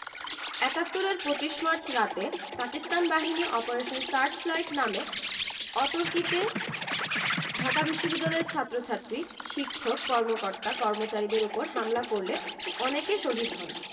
৭১ এর ২৫ মার্চ রাতে পাকিস্তান বাহিনী অপারেশন সার্চলাইট নামে অতর্কিতে ঢাকা বিশ্ববিদ্যালয়ের ছাত্রছাত্রী শিক্ষক কর্মকর্তা কর্মচারীদের উপর হামলা করলে অনেকে শহীদ হন